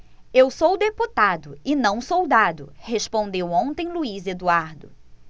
eu sou deputado e não soldado respondeu ontem luís eduardo